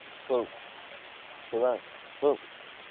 phương phương ơi phương